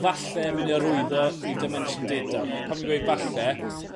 falle myn' i arwyddo i Dimension Data. Gw- pan fi'n weud falle